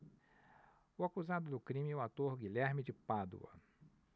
o acusado do crime é o ator guilherme de pádua